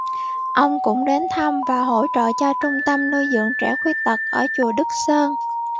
ông cũng đến thăm và hỗ trợ cho trung tâm nuôi dưỡng trẻ khuyết tật ở chùa đức sơn